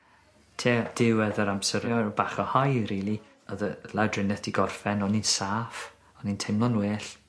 Tua diwedd yr amser bach o high rili. Odd y lawdrinieth 'di gorffen o'n i'n saff, o'n i'n tiimlo'n well.